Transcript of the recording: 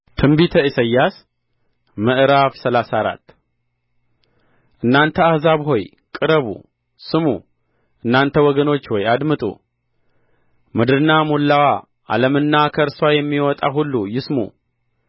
ትንቢተ ኢሳይያስ ምዕራፍ ሰላሳ አራት እናንተ አሕዛብ ሆይ ቅረቡ ስሙ እናንተ ወገኖች ሆይ አድምጡ ምድርና ሙላዋ ዓለምና ከእርስዋ የሚወጣ ሁሉ ይስሙ